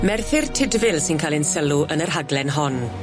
Merthyr Tydfil sy'n ca'l ein sylw yn y rhaglen hon.